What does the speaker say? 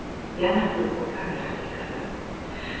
yana uyqu kamerasiga kirdi